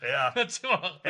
... timod?